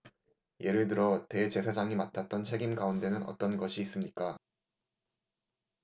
예를 들어 대제사장이 맡았던 책임 가운데는 어떤 것이 있습니까